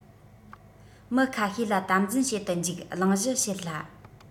མི ཁ ཤས ལ དམ འཛིན བྱེད དུ འཇུག གླེང གཞི བྱེད སླ